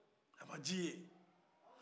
a ma ji ye